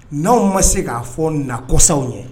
N' anw ma se k'a fɔ nakɔsaw ye